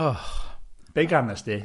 Och, be gannes di?